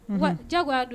Unhun, wa diyagoya don